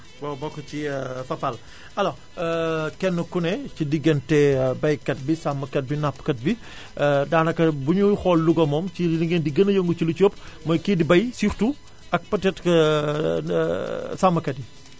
ba bokk ci Fapal alors kenn ku ci ne ci diggante baykat bi sàmmkat bi nappkat bi daanaka buñuy xool Louga moom ci li ngeen di gën a yëngu ci li ci ëpp mooy kii di bay surtout ak peut être que sàmmkat yi